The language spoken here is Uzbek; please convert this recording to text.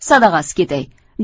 sadag'asi ketay